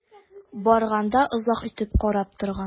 Барган да озак итеп карап торган.